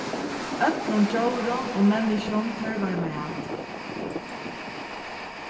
øllum djórum og menniskjum tørvar mat